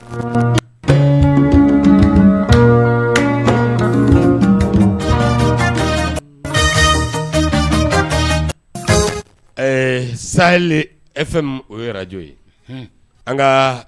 Sa e fɛn oj ye an ka